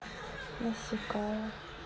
насекая